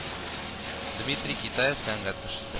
Дмитрий Китаев сәнгать кешесе